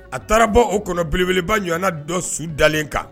A taara bɔ o kɔnɔ belebeleba ɲɔgɔnna dɔ su dalen kan.